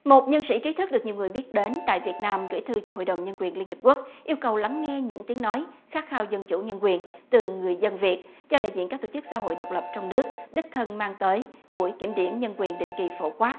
một nhân sĩ trí thức được nhiều người biết đến tại việt nam gửi thư cho hội đồng nhân quyền liên hiệp quốc yêu cầu lắng nghe những tiếng nói khát khao dân chủ nhân quyền từ người dân việt cho đại diện các tổ chức xã hội độc lập trong nước đích thân mang tới buổi kiểm điểm nhân quyền định kỳ phổ quát